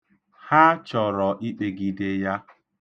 Ha chọrọ ikpegide ya.